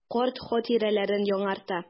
Карт хатирәләрен яңарта.